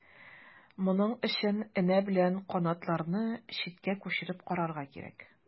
Моның өчен энә белән канатларны читкә күчереп карарга кирәк.